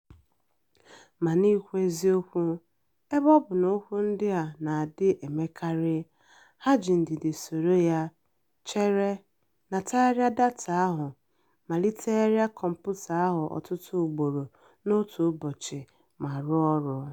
Ma n’ikwu eziokwu, ebe ọ bụ na okwu ndị a na-adị emekarị, ha ji ndidi soro ya, chere, natagharịa data ahụ, malitegharịa kọmputa ahụ ọtụtụ ugboro n’otu ụbọchị, ma rụọ ọrụ.